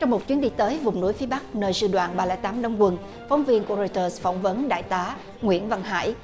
trong một chuyến đi tới vùng núi phía bắc nơi sư đoàn ba lẻ tám đóng quân phóng viên của rêu tơ phỏng vấn đại tá nguyển văn hải